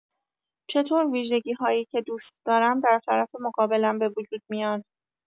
چطور ویژگی‌هایی که دوست دارم در طرف مقابلم بوجود میاد؟